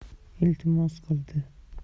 iltimos qildi